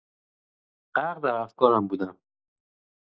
غرق در افکارم بودم.